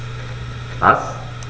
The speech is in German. Was?